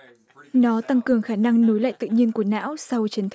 nó tăng cường khả năng nối lại tự nhiên của não sau chấn